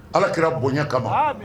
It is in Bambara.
Ala kɛra bonya kama